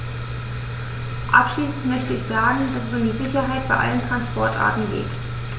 Abschließend möchte ich sagen, dass es um die Sicherheit bei allen Transportarten geht.